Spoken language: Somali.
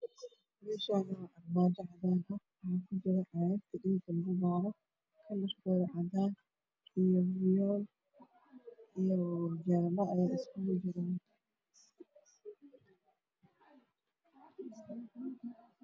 Meeshaan waa armaajo cadaan ah waxaa saaran caagag kujiro fiyoore kalarkiisu uu yahay cadaan, fiyool iyo jaale iskugu jiro.